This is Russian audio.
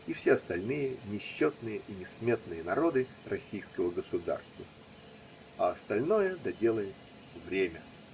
и все остальные, несчетные и несметные народы Российского государства а остальное доделает время.